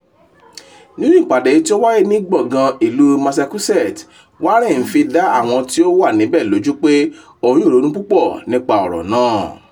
Nínú ìpàdé tí ó wáyé ní gbọ̀gán ìlú Massachusetts, Warren fi dá àwọn tí ó wà nibẹ̀ lójú pé òun yóò ronú púpọ̀ nípa ọ̀rọ̀ náà.